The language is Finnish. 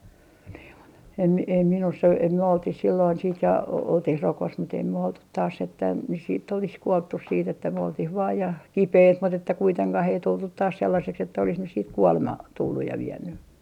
niin mutta en en ei minussa ole ei me oltiin silloin sitten ja oltiin rokossa mutta ei me oltu taas että nyt sitten olisi kuoltu sitten että me oltiin vain ja kipeitä mutta että kuitenkaan ei tultu taas sellaiseksi että olisi nyt sitten kuolema tullut ja vienyt